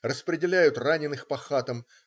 Распределяют раненых по хатам.